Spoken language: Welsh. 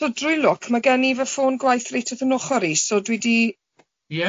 So drwy lwc ma gen i fy ffôn gwaith reit wrth yn ochr i so dwi di